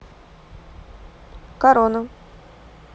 корона